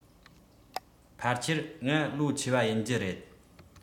ཕལ ཆེར ང ལོ ཆེ བ ཡིན རྒྱུ རེད